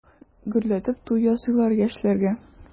Гөрләтеп туй ясыйлар яшьләргә.